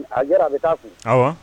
A jɛra a bɛ taa fɔ